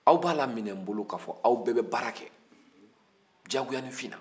aw b'a laminɛ n bolo k'a f'aw bɛɛ bɛ baara kɛ diyagoyanifin na